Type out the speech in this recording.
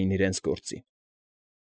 Էին իրենց գործին։